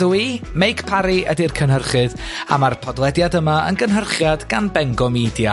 ddwy meic parri ydi'r cynhyrchydd, a marpodlediad yma yn gynhyrchiad gan bengomeidia